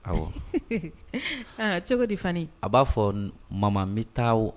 Ayiwa aa cogodi fana a b'a fɔ mama bɛ taa